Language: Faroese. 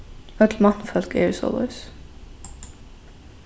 øll mannfólk eru soleiðis